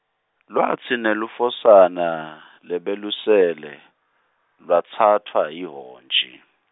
Lwatsi nelufosana, lebelusele , lwatsatfwa yihhontji.